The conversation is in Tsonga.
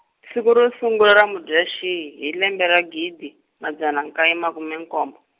siku ro sungula ra Mudyaxihi hi lembe ra gidi, madzana nkaye makume nkombo.